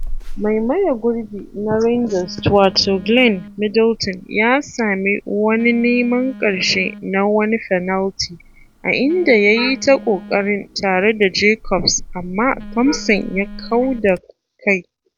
Mai maye gurbi na Rangers twato Glenn Middleton ya sami wani neman ƙarshe na wani fenalti a inda ya yi ta ƙoƙarin tare da Jacobs amma Thomson ya kau da kai.